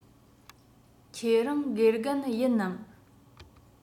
ཁྱེད རང དགེ རྒན ཡིན ནམ